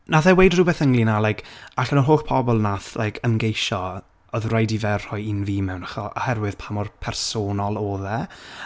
Wnaeth e weud rhywbeth ynglyn â like, allan o'r holl pobl wnaeth like ymgeisio, oedd raid i fe rhoi un fi mewn acho-... oherwydd pa mor personol oedd e.